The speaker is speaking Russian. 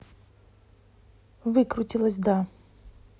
выкрутилась да